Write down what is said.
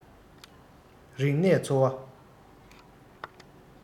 རིག གནས འཚོ བ